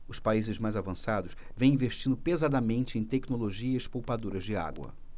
os países mais avançados vêm investindo pesadamente em tecnologias poupadoras de água